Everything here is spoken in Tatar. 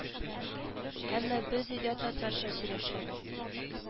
Әмма без өйдә татарча сөйләшәбез